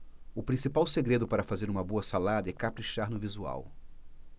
o principal segredo para fazer uma boa salada é caprichar no visual